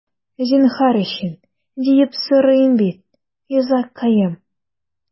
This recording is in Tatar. Зинһар өчен, диеп сорыйм бит, йозаккаем...